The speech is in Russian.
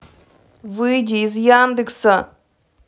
выйди из яндекса